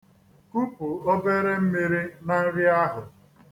Kupu obere mmiri na nri ahụ.